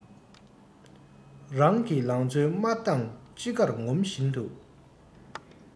རང གི ལང ཚོའི དམར མདངས ཅི དགར ངོམ བཞིན དུ